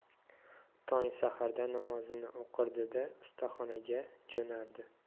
tong saharda namozini o'qirdida ustaxonaga jo'nardi